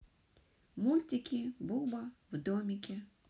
мультики буба в домике